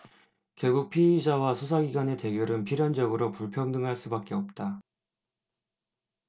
결국 피의자와 수사기관의 대결은 필연적으로 불평등할 수밖에 없다